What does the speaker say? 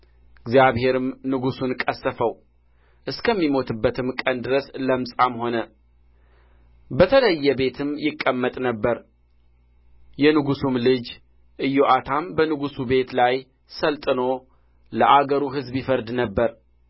እግዚአብሔርም ንጉሡን ቀሠፈው እስከሚሞትበትም ቀን ድረስ ለምጻም ሆነ በተለየ ቤትም ይቀመጥ ነበር የንጉሡም ልጅ ኢዮአታም በንጉሥ ቤት ላይ ሠልጥኖ ለአገሩ ሕዝብ ይፈርድ ነበር